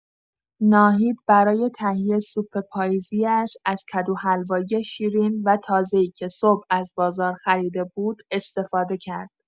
ناهید برای تهیه سوپ پاییزی‌اش از کدوحلوایی شیرین و تازه‌ای که صبح از بازار خریده بود، استفاده کرد.